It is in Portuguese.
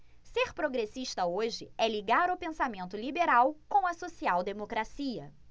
ser progressista hoje é ligar o pensamento liberal com a social democracia